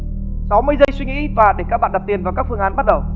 sáu mươi giây suy nghĩ và để các bạn đặt tiền vào các phương án bắt đầu